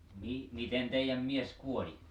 - miten teidän mies kuoli